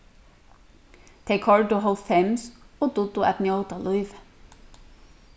tey koyrdu hálvfems og dugdu at njóta lívið